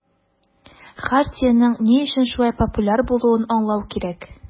Хартиянең ни өчен шулай популяр булуын аңлау кирәк.